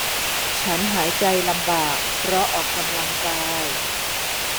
ฉันหายใจลำบากเพราะออกกำลังกาย